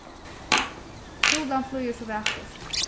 súlan flýgur so vakurt